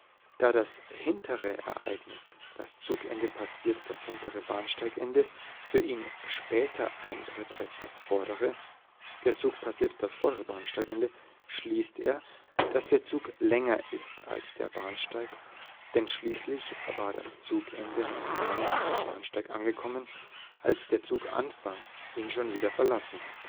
das „ hintere “Ereignis (das Zugende passiert das hintere Bahnsteigende) für ihn später eintritt als das „ vordere “(der Zuganfang passiert das vordere Bahnsteigende), schließt er, dass der Zug länger ist als der Bahnsteig, denn schließlich war das Zugende noch gar nicht am Bahnsteig angekommen, als der Zuganfang ihn schon wieder verlassen